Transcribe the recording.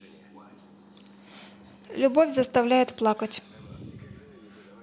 любовь заставляет плакать